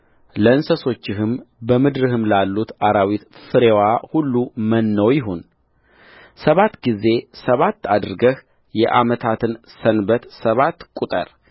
ለእንስሶችህም በምድርህም ላሉት አራዊት ፍሬዋ ሁሉ መኖ ይሁንሰባት ጊዜ ሰባት አድርገህ የዓመታትን ሰንበት ሰባት ቍጠር